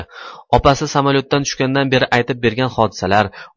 opasi samolyotdan tushgandan beri aytib bergan hodisalar